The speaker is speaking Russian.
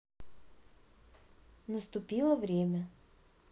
наступило время